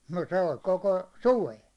no se oli koko suven